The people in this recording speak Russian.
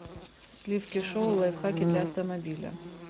сливки шоу лайфхаки для автомобиля